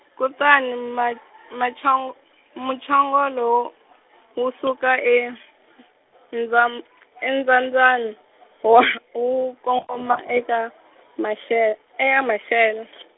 kutani ma machang- muchongolo wu, wu suka eNdzam- eNdzambyana, wa wu kongoma eka Mashe- eka Mashele.